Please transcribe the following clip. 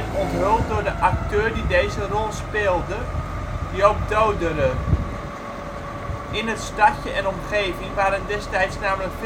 onthuld door de acteur die deze rol speelde: Joop Doderer. In het stadje en omgeving waren destijds namelijk